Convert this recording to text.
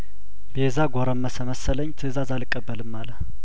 ቤዛ ጐረመሰ መሰለኝ ትእዛዝ አልቀበልም አለ